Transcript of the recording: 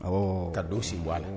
Ka don si bɔ a la